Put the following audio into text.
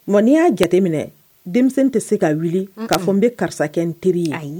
Wa ni y'a jateminɛ denmisɛn tɛ se ka wuli, k'a fɔ n bɛ karisa kɛ n teri, ayi.